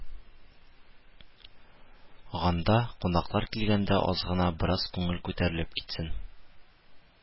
Ганда, кунаклар килгәндә аз гына, бераз күңел күтәрелеп китсен